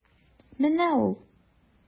Менә ул.